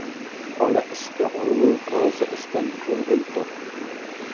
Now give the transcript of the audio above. ola ishga o'rin yo'q rosa ishdan ko'ngil to'q